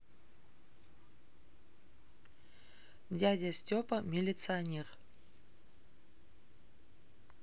дядя степа милиционер